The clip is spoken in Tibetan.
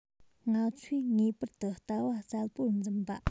ང ཚོས ངེས པར དུ ལྟ བ གསལ པོ འཛིན པ